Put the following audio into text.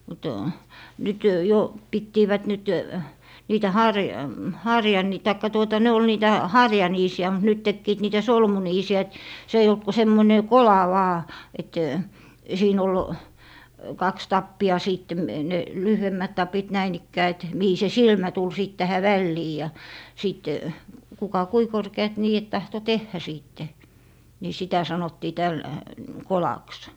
mutta nyt jo pitivät nyt niitä -- tai tuota ne oli niitä harjaniisiä mutta nyt tekivät niitä solmuniisiä että se ei ollut kuin semmoinen kola vain että siinä oli kaksi tappia sitten ne lyhyemmät tapit näin ikään että mihin se silmä tuli sitten tähän väliin ja sitten kuka kuinka korkeat niidet tahtoi tehdä sitten niin sitä sanottiin - kolaksi